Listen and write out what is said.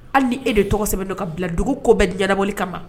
Hali ni e de tɔgɔ sɛbɛn don ka bila dugu ko bɛɛjawale kama ma